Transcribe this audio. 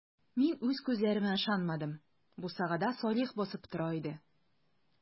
Мин үз күзләремә ышанмадым - бусагада Салих басып тора иде.